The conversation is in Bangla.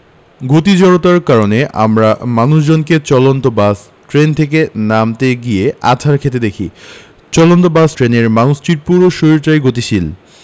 গতি জড়তার কারণে আমরা মানুষজনকে চলন্ত বাস ট্রেন থেকে নামতে গিয়ে আছাড় খেতে দেখি চলন্ত বাস ট্রেনের মানুষটির পুরো শরীরটাই গতিশীল